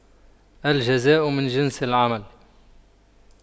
الجزاء من جنس العمل